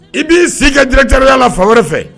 I b'i sen ka dikaya la fan wɛrɛ fɛ